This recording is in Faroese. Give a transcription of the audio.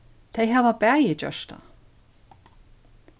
tey hava bæði gjørt tað